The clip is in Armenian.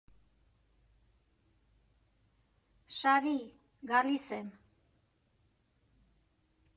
Շարի՛, գալիս եմ։